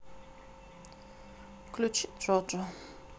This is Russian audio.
включи джоджо